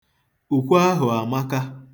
Ukwe ahụ amaka.